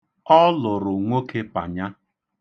Ọ lụrụ nwoke Panya.